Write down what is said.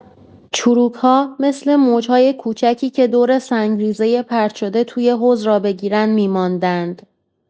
چروک‌ها مثل موج‌های کوچکی که دور سنگ‌ریزۀ پرت‌شده توی حوض را بگیرند می‌ماندند.